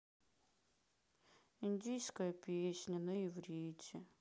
индийская песня на иврите